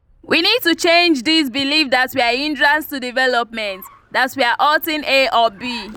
We need to change this belief that we are a hindrance to development, that we are hurting A or B.